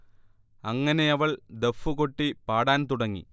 അങ്ങനെയവൾ ദഫ്ഫ് കൊട്ടി പാടാൻ തുടങ്ങി